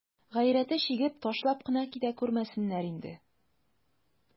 Гайрәте чигеп, ташлап кына китә күрмәсеннәр инде.